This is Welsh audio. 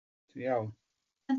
Dwi'n iawn.